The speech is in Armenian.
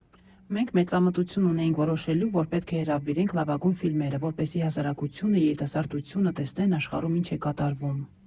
Մենք մեծամտություն ունեինք որոշելու, որ պետք է հրավիրենք լավագույն ֆիլմերը, որպեսզի հասարակությունը, երիտասարդությունը տեսնեն՝ աշխարհում ինչ է կատարվում։